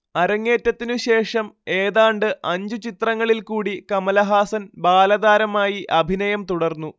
അരങ്ങേറ്റത്തിനു ശേഷം ഏതാണ്ട് അഞ്ചു ചിത്രങ്ങളിൽകൂടി കമലഹാസൻ ബാലതാരമായി അഭിനയം തുടർന്നു